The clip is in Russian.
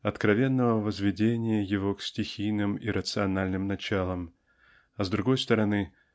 откровенного возведения его к стихийным иррациональным началам а с другой стороны